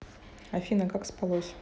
афина как спалось